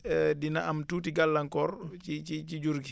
dina am tuuti gàllankoor ci ci ci jur gi